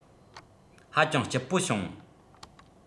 ཧ ཅང སྐྱིད པོ བྱུང